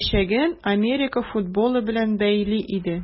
Ул киләчәген Америка футболы белән бәйли иде.